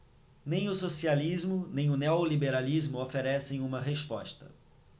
nem o socialismo nem o neoliberalismo oferecem uma resposta